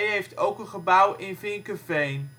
heeft ook een gebouw in Vinkeveen